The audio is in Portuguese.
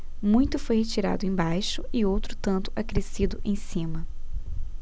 muito foi retirado embaixo e outro tanto acrescido em cima